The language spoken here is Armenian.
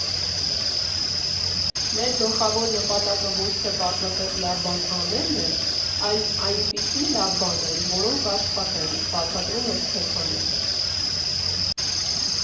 Մեր գլխավոր նպատակը ոչ թե պարզապես լավ բան անելն է, այլ այնպիսի լավ բաներ, որոնք կաշխատեն, ֊ բացատրում է Ստեփանը.